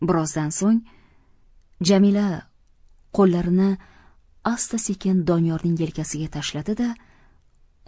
birozdan so'ng jamila qo'llarini asta sekin doniyorning yelkasiga tashladi da